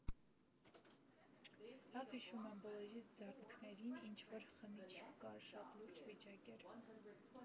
Լավ հիշում եմ, բոլորիս ձեռնքներին ինչ֊որ խմիչք կար, շատ լուրջ վիճակ էր։